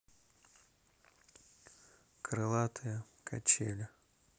крылатые качели